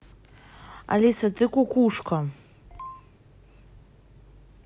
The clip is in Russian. алиса ты кукушка